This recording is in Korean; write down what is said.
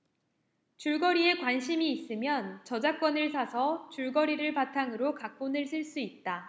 줄거리에 관심이 있으면 저작권을 사서 줄거리를 바탕으로 각본을 쓸 수 있다